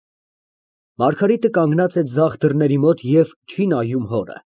ՄԱՐԳԱՐԻՏ ֊ (Կանգնած է ձախ դռների մոտ և չի նայում հորը)։